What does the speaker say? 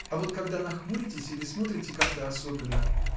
А вот когда нахмуритесь или смотрите как-то особенно.